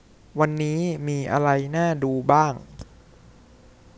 วันนี้มีอะไรน่าดูบ้าง